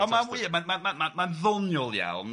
Ond ma'n wy- ma'n ma'n ma'n ddoniol iawn.